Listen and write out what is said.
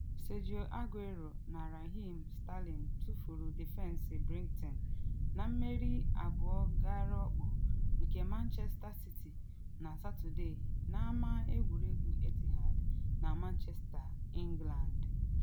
Sergio Aguero na Raheem Sterling tufuru defensị Brighton na mmeri 2-0 nke Manchester City na Satọde na Ama Egwuregwu Etihad na Manchester, England.